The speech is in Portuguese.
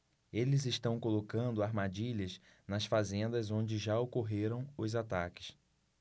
eles estão colocando armadilhas nas fazendas onde já ocorreram os ataques